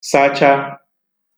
sacha